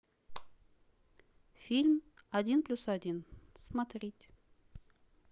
фильм один плюс один смотреть